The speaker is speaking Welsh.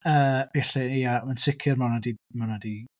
Yy felly ie yn sicr ma' hwnna 'di ma' hwnna 'di...